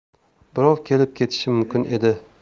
birrov kelib ketishi mumkin edi